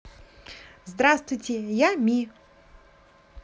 здравствуйте я me